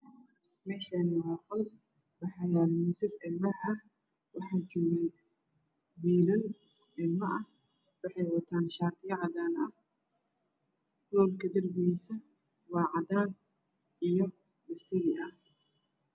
Meeshaan waa qol waxaa yaalo miisas alwaax ah waxaa joogo wiilal ilmo ah waxay wataan shaatiyo cadaan ah darbiga waa cadaan iyo basali.